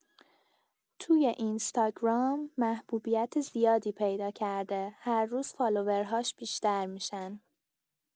توی اینستاگرام محبوبیت زیادی پیدا کرده، هر روز فالورهاش بیشتر می‌شن.